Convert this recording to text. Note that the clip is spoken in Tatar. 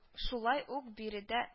Шулай ук биредә